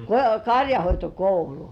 karjanhoitokoulu